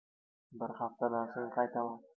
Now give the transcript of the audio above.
bir haftadan so'ng qaytaman